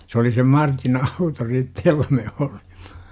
se oli sen Martin auto sitten jolla me olimme